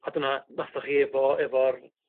A dyna natho chi efo efo'r